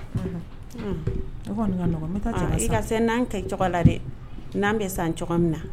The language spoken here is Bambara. N'an kɛ la dɛ n' bɛ min na